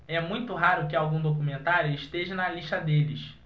é muito raro que algum documentário esteja na lista deles